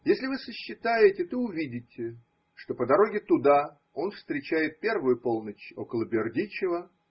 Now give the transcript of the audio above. Если вы сосчитаете, то увидите, что по дороге туда он встречает первую полночь около Бердичева.